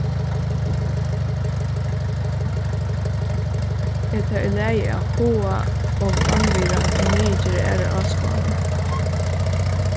er tað í lagi at háða og vanvirða og niðurgera aðrar áskoðanir